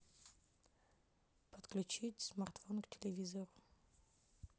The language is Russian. подключить смартфон к телевизору